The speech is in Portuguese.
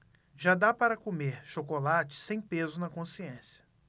já dá para comer chocolate sem peso na consciência